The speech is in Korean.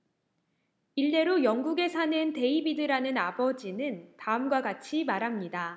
일례로 영국에 사는 데이비드라는 아버지는 다음과 같이 말합니다